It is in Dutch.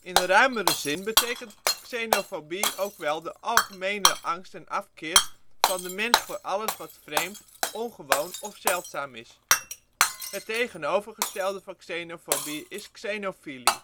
In ruimere zin betekent xenofobie ook wel de algemene angst en afkeer van de mens voor alles wat vreemd, ongewoon of zeldzaam is. Het tegenovergestelde van xenofobie is xenofilie